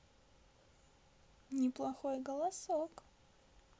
неплохой голосок